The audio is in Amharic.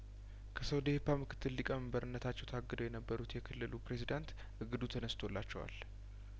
ከሶዲህፓ ምክትል ሊቀመንበርነታቸው ታግደው የነበሩት የክልሉ ፕሬዚዳንት እግዱ ተነስቶላቸዋል